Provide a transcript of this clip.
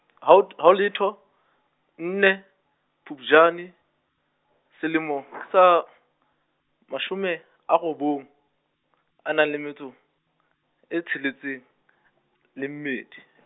ha ot- haho letho, nne, Phupjane, selemo , sa, mashome, a robong , a nang le metso , e tsheletseng , le mmedi.